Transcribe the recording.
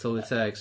Tylwyth tegs.